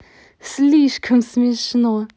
слишком смешно